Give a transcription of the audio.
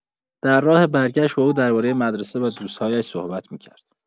در راه برگشت، با او دربارۀ مدرسه و دوست‌هایش صحبت می‌کرد.